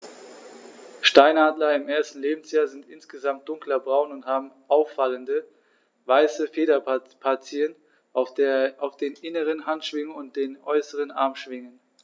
Steinadler im ersten Lebensjahr sind insgesamt dunkler braun und haben auffallende, weiße Federpartien auf den inneren Handschwingen und den äußeren Armschwingen.